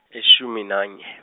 ishuminanye.